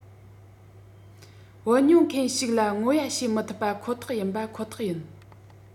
བུ མྱོང མཁན ཞིག ལ ངོ ཡ བྱེད མི ཐུབ པ ཁོ ཐག ཡིན པ ཁོ ཐག ཡིན